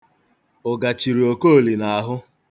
Ụga chiri Okoli n'ahụ.